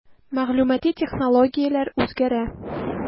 Мәгълүмати технологияләр үзгәрә.